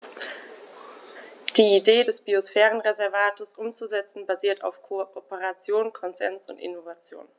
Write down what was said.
Die Idee des Biosphärenreservates umzusetzen, basiert auf Kooperation, Konsens und Innovation.